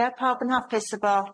Ie pawb yn hapus efo?